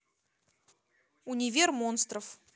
универ монстров